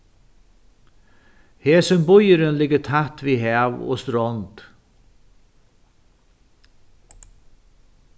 hesin býurin liggur tætt við hav og strond